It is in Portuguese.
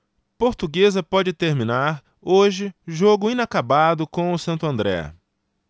portuguesa pode terminar hoje jogo inacabado com o santo andré